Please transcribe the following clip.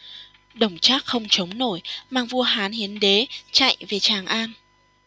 đổng trác không chống nổi mang vua hán hiến đế chạy về tràng an